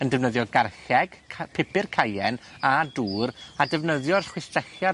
yn defnyddio gallheg, ca- pupur Cayenne, a dŵr, a defnyddio'r chwistrelliad